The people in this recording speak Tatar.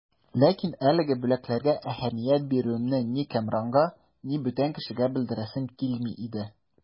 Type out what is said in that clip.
Ләкин әлеге бүләкләргә әһәмият бирүемне ни Кәмранга, ни бүтән кешегә белдерәсем килми иде.